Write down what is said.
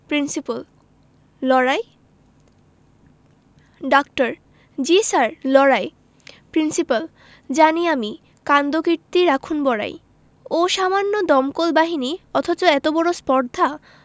principal লড়াই ডাক্তার জ্বী স্যার লড়াই প্রিন্সিপাল জানি আমি কাণ্ডকীর্তি রাখুন বড়াই ওহ্ সামান্য দমকল বাহিনী অথচ এত বড় স্পর্ধা